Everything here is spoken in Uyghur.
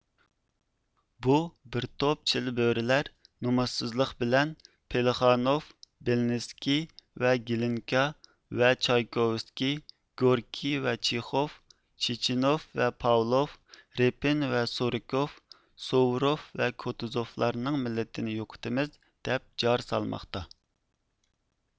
بۇ بىر توپ چىلبۆرىلەر نومۇسسىزلىق بىلەن پلېخانوف بېلىنىسكىي ۋە گلىنكا ۋە چايكوۋىسكىي گوركىي ۋە چىخوف چېچىنوف ۋە پاۋلوف رېپىن ۋە سۇرىكوف سوۋۇرۇف ۋە كوتۇزوفلارنىڭ مىللىتىنى يوقىتىمىز دەپ جار سالماقتا